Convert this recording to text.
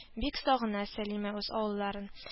Бик сагына Сәлимә үз авылларын